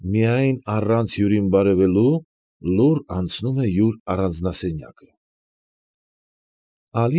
Միայն առանց հյուրին բարևելու, լուռ անցնում է յուր առանձնասենյակը։